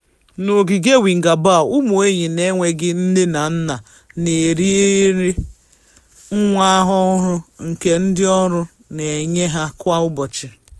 N'ogige Wingabaw, ụmụ enyi n'enweghị nne na nna na-eri nri nwa ọhụrụ nke ndịọrụ na-enye ha kwa ụbọchị.